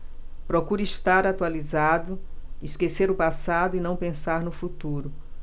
procuro estar atualizado esquecer o passado e não pensar no futuro